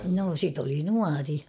no sitä oli nuori